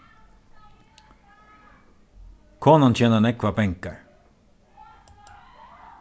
konan tjenar nógvar pengar